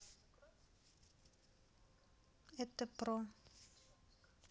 это pro